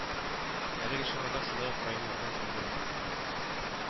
Әлеге чарада шулай ук районнардан килгән